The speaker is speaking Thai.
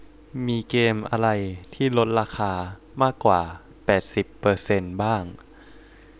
มีเกมอะไรที่ลดราคามากกว่าแปดสิบเปอร์เซนต์บ้าง